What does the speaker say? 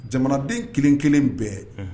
Jamanaden kelenkelen bɛɛ